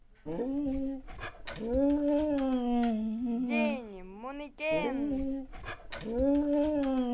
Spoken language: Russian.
день moneyken